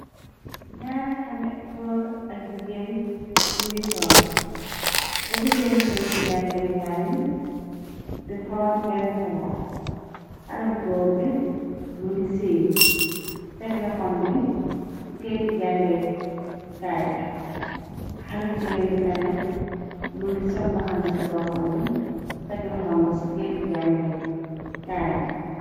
ñaari xale góor ak jigéen ñi ngi toox rabi seen kayti jange kayin di xool benn palas xalab góor bi më ngi siin tegla xombi ci kayti jange kaay bi xalbi jigéen ngi tamit më ngi sormbaxana ci boppam bi tegla xombi ci keyti jange kaayin